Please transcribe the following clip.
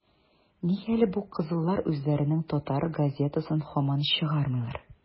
- нигә әле бу кызыллар үзләренең татар газетасын һаман чыгармыйлар?